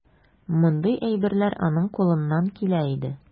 Мондый әйберләр аның кулыннан килә иде.